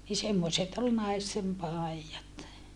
niin semmoiset oli naisten paidat